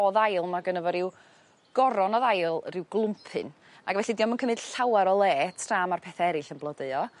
o ddail ma' gynno fo ryw goron o ddail ryw glwmpyn ag felly 'di o 'm yn cymyd llawar o le tra ma'r pethe eryll yn blodeuo